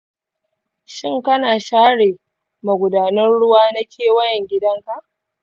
shin kana share magudanan ruwa na kewayen gidanka?